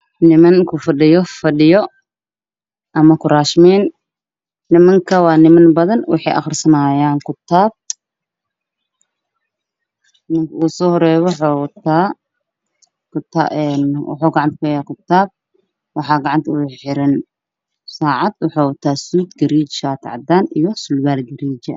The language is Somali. Niman ku fadhiyo kuraaso niman ka waxey aqrisanayaan kitaab waxaa gacanta ugu xiran saacado